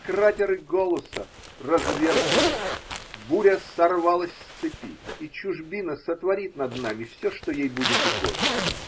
Кратеры голуса разверзлись, буря сорвалась с цепи, и чужбина сотворит над нами все, что ей будет угодно.